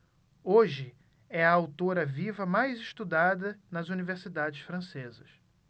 hoje é a autora viva mais estudada nas universidades francesas